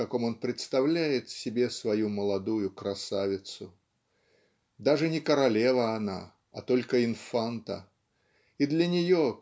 в каком он представляет себе свою молодую красавицу. Даже не королева она а только инфанта и для нее